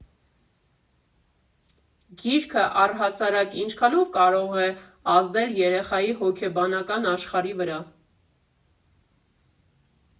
Գիրքը, առհասարակ, ինչքանո՞վ կարող է ազդել երեխայի հոգեբանական աշխարհի վրա։